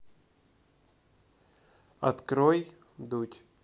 открой дудь